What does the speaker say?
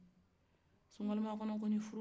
sunkalo kɔni makɔnɔ furu